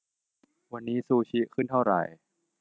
วันนี้ซูชิขึ้นเท่าไหร่